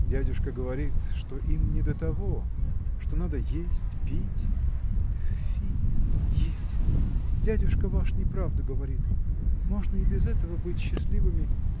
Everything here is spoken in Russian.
– Дядюшка говорит, что им не до того – что надо есть, пить. – Фи! есть! Дядюшка ваш неправду говорит можно и без этого быть счастливыми